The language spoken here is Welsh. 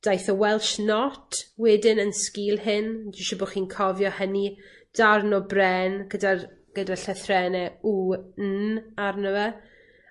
Daeth y Welsh Not wedyn yn sgil hyn, dwi siŵr bo' chi'n cofio hynny darn o bren gyda'r gyda llythrenne W En arno fe